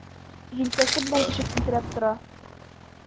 Җилкәсе белән ишекне терәп тора.